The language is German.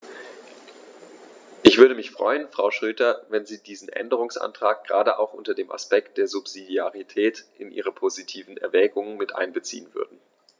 Ich würde mich freuen, Frau Schroedter, wenn Sie diesen Änderungsantrag gerade auch unter dem Aspekt der Subsidiarität in Ihre positiven Erwägungen mit einbeziehen würden.